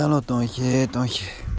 མི གཞན ལ སྤྲད རྩིས ཡོད པ དང